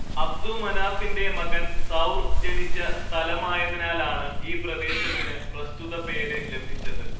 അബ്ദുമനാഫിന്റെ മകൻ സൗർ ജനിച്ച സ്ഥലമായതിനാലാണ് ഈ പ്രദേശത്തിന് പ്രസ്തുത പേര് ലഭിച്ചത്